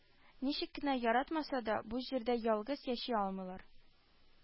Ничек кенә яратмаса да, бу җирдә ялгыз яши алмыйлар